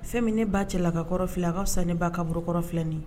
Fɛn min ne ba cɛlaka kɔrɔ filɛ a ka fisa ni ne ba kaburu kɔrɔ filɛli ye.